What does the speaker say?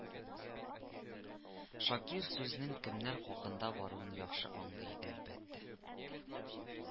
Шакир сүзнең кемнәр хакында баруын яхшы аңлый иде, әлбәттә